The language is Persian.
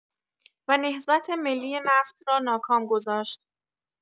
و نهضت ملی نفت را ناکام گذاشت.